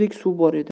muzdek suv bor edi